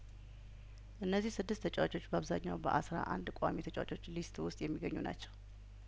እነዚህ ስድስት ተጫዋቾች በአብዛኛው በአስራ አንድ ቀሚ ተጫዋቾች ሊስት ውስጥ የሚገኙ ናቸው